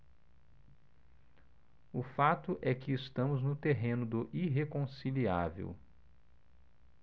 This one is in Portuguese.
o fato é que estamos no terreno do irreconciliável